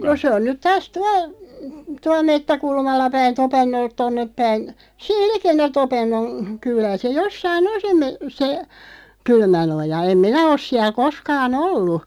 no se on nyt taas tuolla tuolla metsäkulmalla päin Topennolta tuonne päin siinä likellä Topennon kylää se jossakin on se - se Kylmänoja en minä ole siellä koskaan ollut